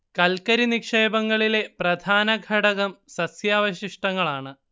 കൽക്കരി നിക്ഷേപങ്ങളിലെ പ്രധാന ഘടകം സസ്യാവശിഷ്ടങ്ങളാണ്